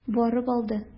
Барып алды.